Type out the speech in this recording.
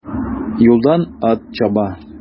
Юлдан ат чаба.